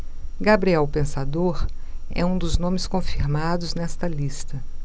gabriel o pensador é um dos nomes confirmados nesta lista